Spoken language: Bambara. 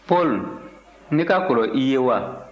paul ne ka kɔrɔ i ye wa